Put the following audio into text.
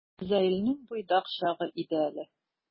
Изаилнең буйдак чагы иде әле.